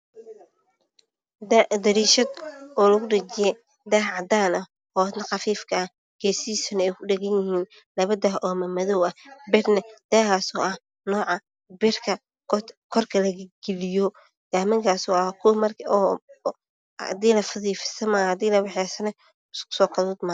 Dariishad oo lagu dhajiyay daah cadaan ah hosna qafiif ka ah geesihisa ay ku dhaganyihiin laba daah oo mad madoow ah midna daahas oo ah noca birta korka laga galiyo dahmankasoo ah hadii la fidiyo fidsamaayo hadii la waxeyana isku so kaduud maayo